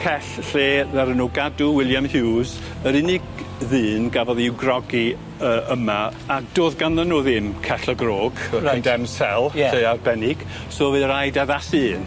Cell lle ddaru nw gadw William Hughes yr unig ddyn gafodd i'w grogi yy yma a do'dd ganddyn nw ddim cell y grog... Reit. ...fel condemned cell lle arbennig so fydd raid addasu un.